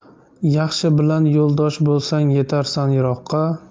yaxshi bilan yo'ldosh bo'lsang yetarsan yiroqqa